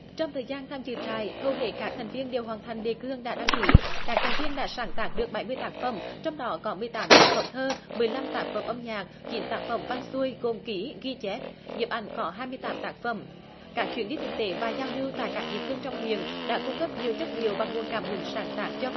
trong thời gian tham dự trại hầu hết các thành viên đều hoàn thành đề cương đã đăng ký các trại viên đã sáng tác được bảy mươi tác phẩm trong đó có mười tám tác phẩm thơ mười lăm tác phẩm âm nhạc chín tác phẩm văn xuôi gồm kỹ ghi chép nhiếp ảnh có hai mươi tám tác phẩm các chuyến đi thực tế và giao lưu tại các địa phương trong huyện đã cung cấp nhiều chất liệu và nguồn cảm hứng sáng tác cho